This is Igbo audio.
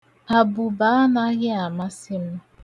Abụba anaghị amasị m.